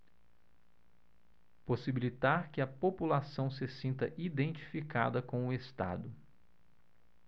possibilitar que a população se sinta identificada com o estado